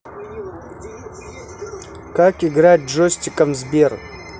как играть джойстиком в сбер